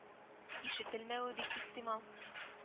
– ишетелмәве бик ихтимал